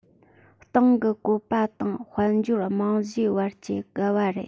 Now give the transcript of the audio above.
སྟེང གི བཀོད པ དང དཔལ འབྱོར རྨང གཞིའི བར གྱི འགལ བ རེད